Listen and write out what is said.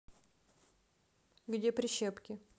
где прищепки